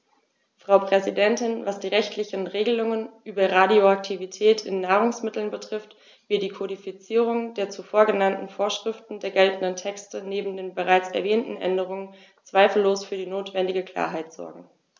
Frau Präsidentin, was die rechtlichen Regelungen über Radioaktivität in Nahrungsmitteln betrifft, wird die Kodifizierung der zuvor genannten Vorschriften der geltenden Texte neben den bereits erwähnten Änderungen zweifellos für die notwendige Klarheit sorgen.